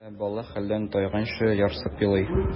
Ә бала хәлдән тайганчы ярсып елый.